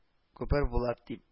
Күпер Булат тип